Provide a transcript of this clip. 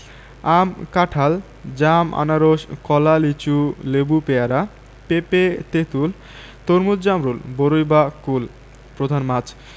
আম কাঁঠাল জাম আনারস কলা লিচু লেবু পেয়ারা পেঁপে তেঁতুল তরমুজ জামরুল বরই বা কুল প্রধান মাছঃ